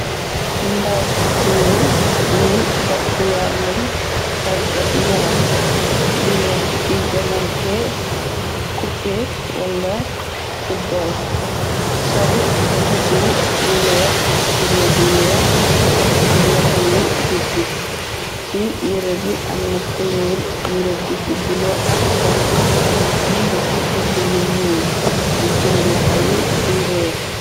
Ndaw s goor suy dox ci wàllum tàggat yaram di nekk ci joŋgante cope. Wala footbol sol mbubb bu weex ak tubey bu weex. Am loxo yu gudd ci yere bi amna kuluur ñu rëdd ci bule. Ak konko bind ci bind yu ñuur mu firi loxoy di ree.